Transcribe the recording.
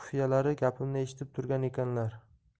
xufiyalari gapimni eshitib turgan ekanlar